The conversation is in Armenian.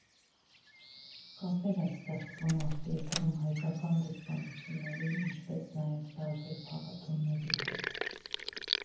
Կապեր են ստեղծվում արտերկրում հայկական դեսպանությունների, ինչպես նաև տարբեր փառատոների հետ։